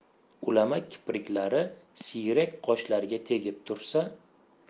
ulama kipriklari siyrak qoshlariga tegib tursa